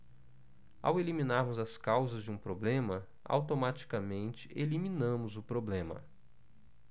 ao eliminarmos as causas de um problema automaticamente eliminamos o problema